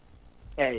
eeyi